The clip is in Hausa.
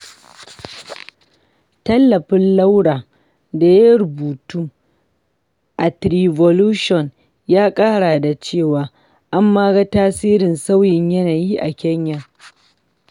Tallafin Laura da ya yi rubutu a Treevolution, ya ƙara da cewa, an ma ga tasirin sauyin yanayi a Kenya.